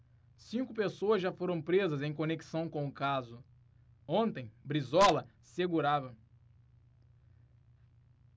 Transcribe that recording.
cinco pessoas já foram presas em conexão com o caso